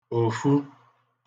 òfu